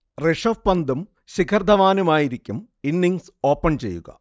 ഋഷഭ് പന്തും ശിഖർ ധവാനുമായിരിക്കും innings open ചെയ്യുക